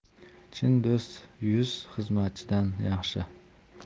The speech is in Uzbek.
chin do'st yuz xizmatchidan yaxshi